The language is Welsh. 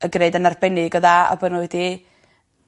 yn gneud yn arbennig o dda a bo' n'w wedi